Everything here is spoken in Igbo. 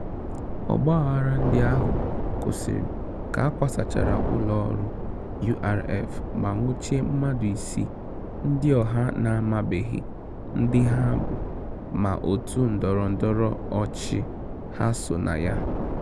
Ọgbaghara ndị ahụ kwụsịrị ka a kwasachara ụlọ ọrụ URF ma nwụchie mmadụ isii ndị ọha na-amabeghị ndị ha bụ ma òtù ndọrọ ndọrọ ọchị ha so na ya.